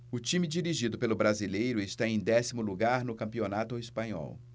o time dirigido pelo brasileiro está em décimo lugar no campeonato espanhol